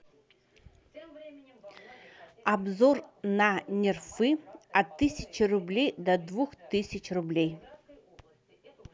обзор на нерфы от тысячи рублей до двух тысяч рублей